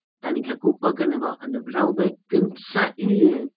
Dan ni'n cael gwybod gynna fo yn y frawddau gyntaf un.